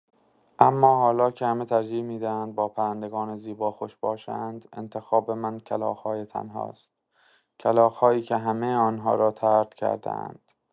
اما حالا که همه ترجیح می‌دهند با پرندگان زیبا خوش باشند، انتخاب من کلاغ‌های تنهاست؛ کلاغ‌هایی که همه آن‌ها را طرد کرده‌اند!